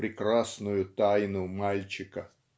прекрасную тайну мальчика.